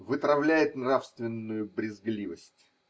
вытравляет нравственную брезгливость.